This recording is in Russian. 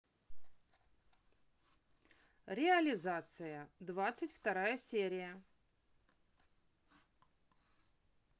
реализация двадцать вторая серия